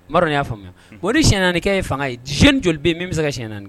N dɔn y'a faamuya o de sinanɛn naanianikɛ ye fanga yeni jɔ joli bɛ min bɛ se ka si naaniani kɛ